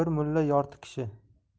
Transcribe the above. bir mulla yorti kishi